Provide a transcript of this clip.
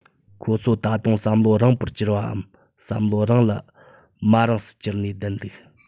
ཁོ ཚོ ད དུང བསམ བློ རེངས པོར གྱུར པའམ བསམ བློ རེངས ལ མ རེངས སུ གྱུར ནས བསྡད འདུག